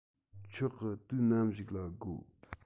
ཆོག གི དུས ནམ ཞིག ལ དགོས